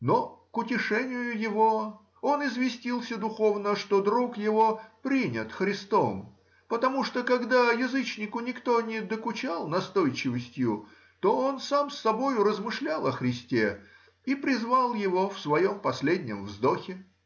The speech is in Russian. Но, к утешению его, он известился духовно, что друг его принят Христом, потому что, когда язычнику никто не докучал настойчивостью, то он сам с собою размышлял о Христе и призвал его в своем последнем вздохе.